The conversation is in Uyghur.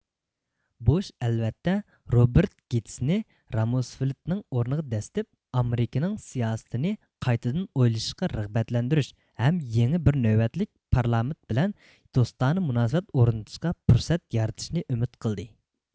بوش ئەلۋەتتە روبېرت گېتسىنى راموسفېلدنىڭ ئورنىغا دەسسىتىپ ئامېرىكىنىڭ سىياسىتىنى قايتىدىن ئويلىشىشقا رىغبەتلەندۈرۈش ھەم يېڭى بىر نۆۋەتلىك پارلامېنت بىلەن دوستانە مۇناسىۋەت ئورنىتىشقا پۇرسەت يارىتىشنى ئۈمىد قىلدى